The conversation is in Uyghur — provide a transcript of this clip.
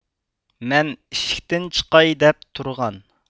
مەن ئىشىكتىن چىقاي دەپ تۇرغان